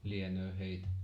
lienee heitä